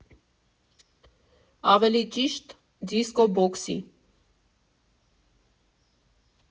Ավելի ճիշտ՝ դիսկո֊բոքսի։